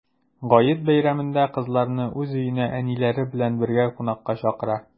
Гает бәйрәмендә кызларны уз өенә әниләре белән бергә кунакка чакыра.